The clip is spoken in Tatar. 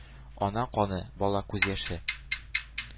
Ана каны, бала күз яше.